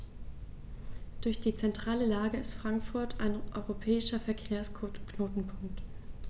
Durch die zentrale Lage ist Frankfurt ein europäischer Verkehrsknotenpunkt.